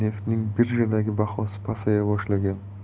neftning birjadagi bahosi pasaya boshlagan